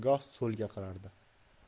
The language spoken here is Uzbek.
goh so'lga qarardi